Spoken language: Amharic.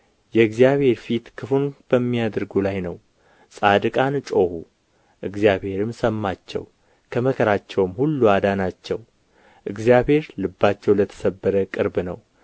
የእግዚአብሔር ፊት ክፉን በሚያደርጉ ላይ ነው ጻድቃን ጮኹ እግዚአብሔርም ሰማቸው ከመከራቸውም ሁሉ አዳናቸው እግዚአብሔር ልባቸው ለተሰበረ ቅርብ ነው